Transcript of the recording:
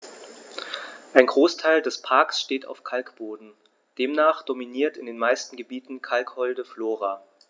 Ein Großteil des Parks steht auf Kalkboden, demnach dominiert in den meisten Gebieten kalkholde Flora.